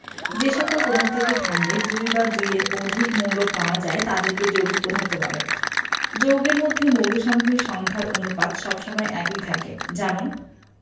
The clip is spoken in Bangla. যে সকল পদার্থকে ভাঙলে দুই বা দুইয়ের অধিক মৌল পাওয়া যায় তাদেরকে যৌগিক পদার্থ বলে যৌগের মধ্যে মৌলসমূহের সংখ্যার অনুপাত সব সময় একই থাকে যেমন